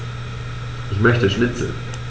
Ich möchte Schnitzel.